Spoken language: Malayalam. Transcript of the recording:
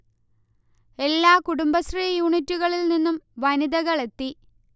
എല്ലാ കുടുംബശ്രീ യൂണിറ്റുകളിൽ നിന്നും വനിതകൾ എത്തി